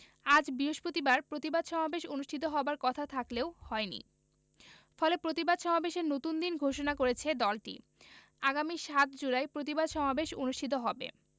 আজ বৃহস্পতিবার প্রতিবাদ সমাবেশ অনুষ্ঠিত হবার কথা থাকলেও হয়নি ফলে প্রতিবাদ সমাবেশের নতুন দিন ঘোষণা করেছে দলটি আগামী ৭ জুলাই প্রতিবাদ সমাবেশ অনুষ্ঠিত হবে